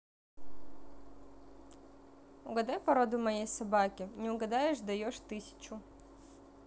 угадай породу моей собаки не угадаешь даешь тысячу